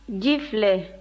ji filɛ